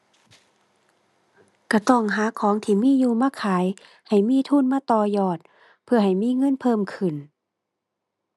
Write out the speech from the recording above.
ก็ต้องหาของที่มีอยู่มาขาย ให้มีทุนมาต่อยอด เพื่อให้มีเงินเพิ่มขึ้น